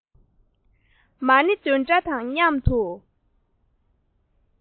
མ ཎི འདོན སྒྲ དང མཉམ དུ